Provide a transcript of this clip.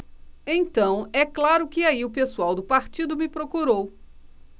então é claro que aí o pessoal do partido me procurou